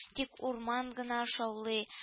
Тик урман гына шаулый